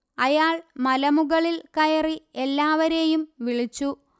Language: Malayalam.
അയാൾ മലമുകളിൽ കയറി എല്ലാവരെയും വിളിച്ചു